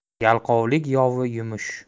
yalqovlik yovi yumush